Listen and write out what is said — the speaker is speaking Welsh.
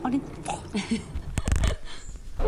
O'n i'n gwbod.